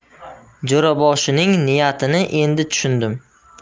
jo'raboshining niyatini endi tushundim